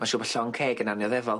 Ma' siŵr bo' llong ceg yn annioddefol.